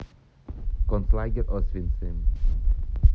концлагерь освенцим